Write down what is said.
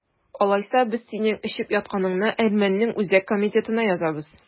Алайса, без синең эчеп ятканыңны әрмәннең үзәк комитетына язабыз!